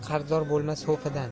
qarzdor bo'lma so'fidan